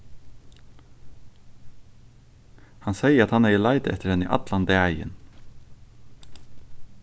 hann segði at hann hevði leitað eftir henni allan dagin